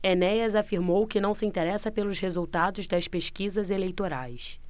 enéas afirmou que não se interessa pelos resultados das pesquisas eleitorais